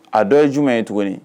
A dɔ ye jumɛn ye tuguni